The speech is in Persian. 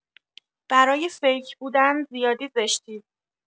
برای فیک بودن زیادی زشتید